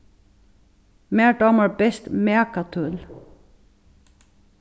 mær dámar best makað tøl